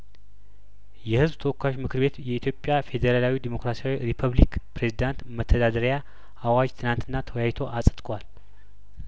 የህዝብ ተወካዮችምክር ቤት የኢትዮጵያ ፌዴራላዊ ዴሞክራሲያዊ ሪፐብሊክ ፕሬዝዳንት መተዳደሪያ አዋጅ ትናንትና ተወያይቶ አጽድቋል